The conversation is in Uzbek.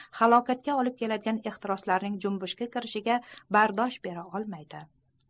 halokatga olib keladigan ehtiroslarning junbushga kelishiga bardosh bera olmaydi